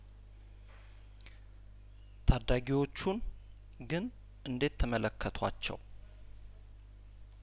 ታዳጊዎቹን ግን እንዴት ተመለከቷቸው